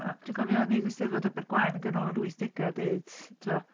Yy dwi'n cofio wneud y 'Steddfod Abergwaun yn ganol yr wythdegau a deud tibod...